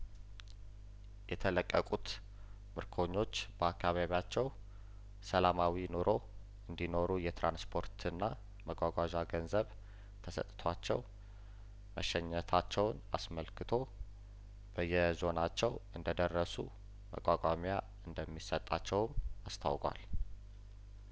የተለቀቁት ምርኮኞች በአካባቢያቸው ሰላማዊ ኑሮ እንዲኖሩ የትራንስፖርትና መጓጓዣ ገንዘብ ተሰጥቷቸው መሸኘታቸውን አስመልክቶ በየዞናቸው እንደደረሱ መቋቋሚያ እንደሚሰጣቸውም አስታውቋል